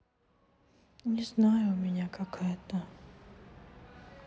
не знаю у меня какая то